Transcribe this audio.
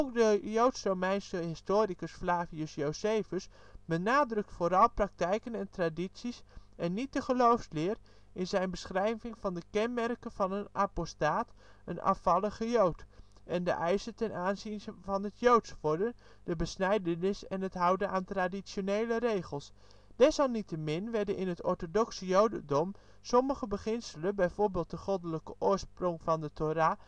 de joods-Romeinse historicus Flavius Josephus benadrukt vooral praktijken en tradities, en niet de geloofsleer, in zijn beschrijving van de kenmerken van een apostaat (een afvallige jood) en de eisen ten aanzien van het joods worden (de besnijdenis en het houden aan traditionele regels). Desalniettemin werden in het orthodoxe jodendom sommige beginselen, bijvoorbeeld de Goddelijke oorsprong van de Thora